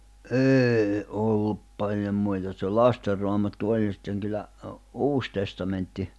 ei ollut paljon muita se Lasten Raamattu oli ja sitten kyllä Uusi Testamentti